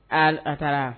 A a taara